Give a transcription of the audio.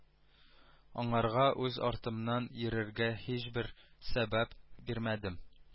Аңарга үз артымнан йөрергә һичбер сәбәп бирмәдем